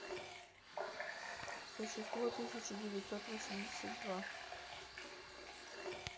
существо тысяча девятьсот восемьдесят два